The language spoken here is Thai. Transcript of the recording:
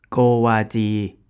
โกวาจี